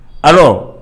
Alors